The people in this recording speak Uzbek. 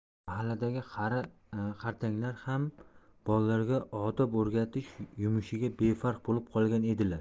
mahalladagi qari qartanglar ham bolalarga odob o'rgatish yumushiga befarq bo'lib qolgan edilar